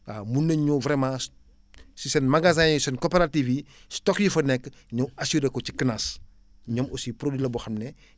waaw mun nañ ñëw vraiment si seen magasin seen coopératives yi stock yi fa nekk ñu assuré ko ci CNAAS ñoom aussi produit la boo xam ne